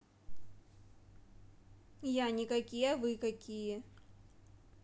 я никакие а вы какие